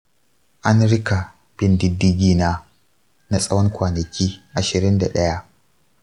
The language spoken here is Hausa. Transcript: an rika bin diddigi na na tsawon kwanaki ashirin da ɗaya.